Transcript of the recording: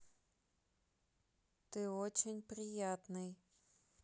ты очень приятный